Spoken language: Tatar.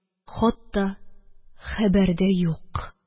Хат та, хәбәр дә юк.